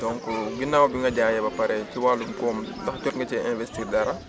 donc ginnaaw bi nga jaayee ba pare ci wàllum koom ndax jot nga cee investir dara